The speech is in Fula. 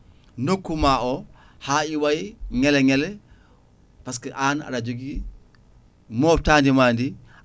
nokkuma o ha iwaye ngele ngele par ce que an aɗa jogui mobtadi ma ndi